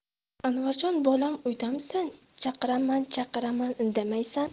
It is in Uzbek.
anvarjon bolam uydamisan chaqiraman chaqiraman indamaysan